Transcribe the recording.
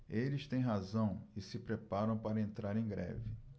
eles têm razão e se preparam para entrar em greve